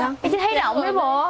chị thấy rộng chứ bộ